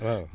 waaw